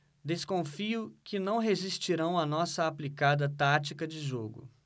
desconfio que não resistirão à nossa aplicada tática de jogo